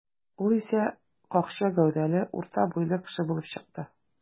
Ул исә какча гәүдәле, урта буйлы кеше булып чыкты.